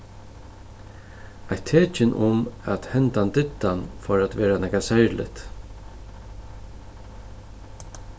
eitt tekin um at hendan diddan fór at vera nakað serligt